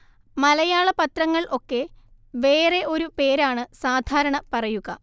മലയാള പത്രങ്ങൾ ഒക്കെ വേറെ ഒരു പേരാണ് സാധാരണ പറയുക